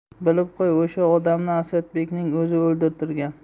bilib qo'y o'sha odamni asadbekning o'zi o'ldirtirgan